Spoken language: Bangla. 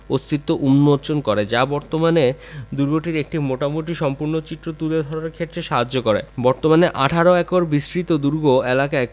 অস্তিত্ব উন্মোচন করে যা বর্তমানে দুর্গের একটি মোটামুটি সম্পূর্ণ চিত্র তুলে ধরার ক্ষেত্রে সাহায্য করে বর্তমানে ১৮ একর বিস্তৃত দুর্গ এলাকায়